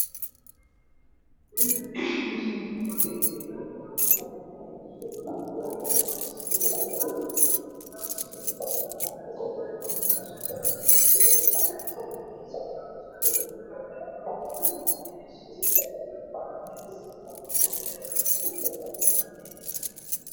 Meeshaan waa hool waxaa fadhiyo wiil waxay kufadhiyaan kursi qalin ah. waxuu wataa suud shaati cadaan ah iyo surwaal buluug ah. Waxaa horyaala miis waxaa saaran caag caafiya. Gadaashiisa darbiga ah waa buluug calan ayaa kudhagan.